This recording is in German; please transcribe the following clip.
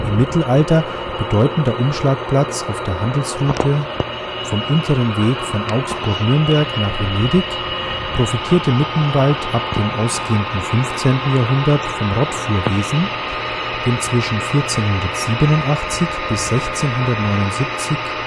Mittelalter bedeutender Umschlagplatz auf der Handelsroute vom unteren Weg von Augsburg/Nürnberg nach Venedig, profitierte Mittenwald ab dem ausgehenden 15. Jahrhundert vom Rottfuhrwesen, dem zwischen 1487 bis 1679